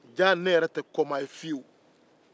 jaa ne yɛrɛ tɛ kɔmaa ye fiyewu